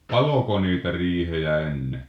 paloiko niitä riihiä ennen